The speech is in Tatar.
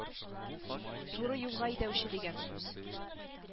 Туры юлга әйдәүче дигән сүз